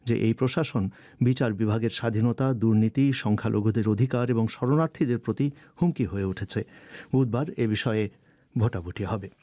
যে এই প্রশাসন বিচার বিভাগের স্বাধীনতা দুর্নীতি সংখ্যালঘুদের অধিকার শরণার্থীদের প্রতি হুমকি হয়ে উঠেছে বুধবার এ বিষয়ে ভোটাভুটি হবে